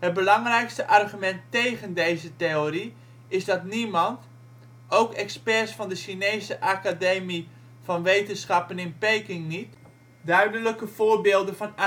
belangrijkste argument tegen deze theorie is dat niemand, ook experts van de Chinese Academie van Wetenschappen in Peking niet, duidelijke voorbeelden van